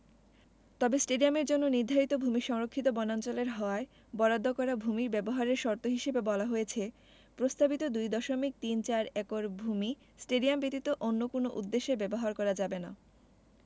তবে স্টেডিয়ামের জন্য নির্ধারিত ভূমি সংরক্ষিত বনাঞ্চলের হওয়ায় বরাদ্দ করা ভূমি ব্যবহারের শর্ত হিসেবে বলা হয়েছে প্রস্তাবিত ২ দশমিক তিন চার একর ভূমি স্টেডিয়াম ব্যতীত অন্য কোনো উদ্দেশ্যে ব্যবহার করা যাবে না